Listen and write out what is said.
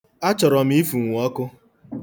Achọrọ m ịfụnwu ọkụ.